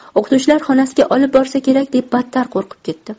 o'qituvchilar xonasiga olib borsa kerak deb battar qo'rqib ketdim